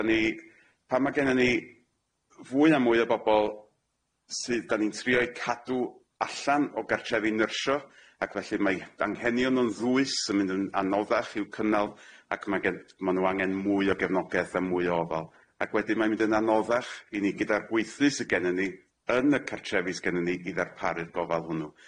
Dan ni, pan ma' gennon ni fwy a mwy o bobol sydd dan ni'n trio'u cadw allan o gartrefi nyrsio ac felly mae anghenion nw'n ddwys yn mynd yn anoddach i'w cynnal ac ma' gen- ma' n'w angen mwy o gefnogaeth a mwy o ofal ac wedyn mae'n mynd yn anoddach i ni gyda'r gweithlu sy gennyn ni yn y cartrefi sy gennyn ni i ddarparu'r gofal hwnnw.